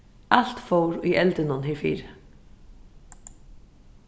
alt fór í eldinum herfyri